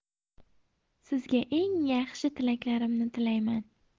sizga eng yaxshi tilaklarimni tilayman